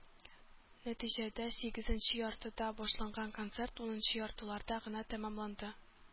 Нәтиҗәдә, сигезенче яртыда башланган концерт унынчы яртыларда гына тәмамланды.